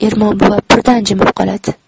ermon buva birdan jimib qoladi